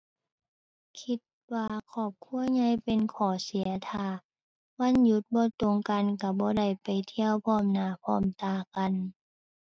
คิดว่าครอบครัวใหญ่เป็นข้อเสีย ถ้าวันหยุดบ่ตรงกันก็บ่ได้ไปเที่ยวพร้อมหน้าพร้อมตากัน